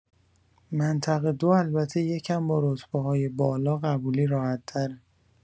منطقه دو البته یکم با رتبه‌های بالا قبولی راحت تره